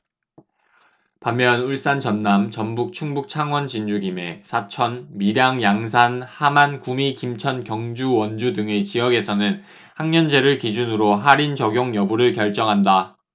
반면 울산 전남 전북 충북 창원 진주 김해 사천 밀양 양산 함안 구미 김천 경주 원주 등의 지역에서는 학년제를 기준으로 할인 적용 여부를 결정한다